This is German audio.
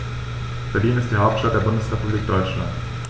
Berlin ist die Hauptstadt der Bundesrepublik Deutschland.